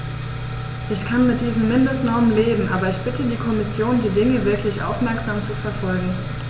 Ich kann mit diesen Mindestnormen leben, aber ich bitte die Kommission, die Dinge wirklich aufmerksam zu verfolgen.